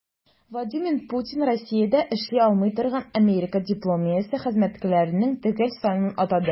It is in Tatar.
Владимир Путин Россиядә эшли алмый торган Америка дипмиссиясе хезмәткәрләренең төгәл санын атады.